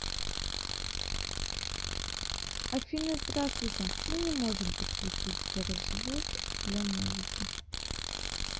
афина здравствуйте мы не можем подключить сбер звук для музыки